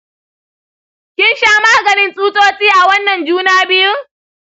kin sha maganin tsutsotsi a wannan juna biyun?